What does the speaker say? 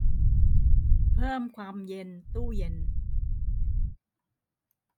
เพิ่มความเย็นตู้เย็น